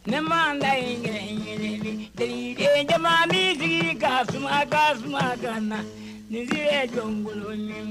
Ne m'an dayi kelen-kelenni deyige caman b'i sigi ka suma ka suma kana ni si ye Jonkoloni